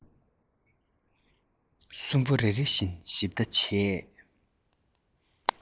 གསུམ པོ རེ རེ བཞིན ཞིབ ལྟ བྱས